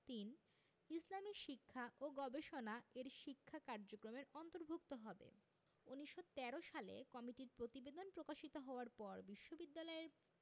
৩. ইসলামী শিক্ষা ও গবেষণা এর শিক্ষা কার্যক্রমের অন্তর্ভুক্ত হবে ১৯১৩ সালে কমিটির প্রতিবেদন প্রকাশিত হওয়ার পর বিশ্ববিদ্যালয়ের